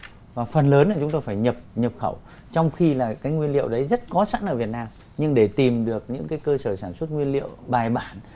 và phần lớn chúng tôi phải nhập nhập khẩu trong khi là các nguyên liệu lấy rất có sẵn ở việt nam nhưng để tìm được những cái cơ sở sản xuất nguyên liệu bài bản